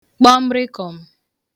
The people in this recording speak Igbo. kpọm rịkọ̀m̀